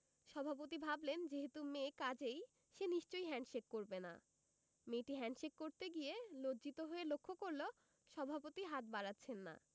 সভাপতি ভাবলেন যেহেতু মেয়ে কাজেই সে নিশ্চয়ই হ্যাণ্ডশেক করবে না মেয়েটি হ্যাণ্ডশেক করতে গিয়ে লজ্জিত হয়ে লক্ষ্য করল সভাপতি হাত বাড়াচ্ছেন না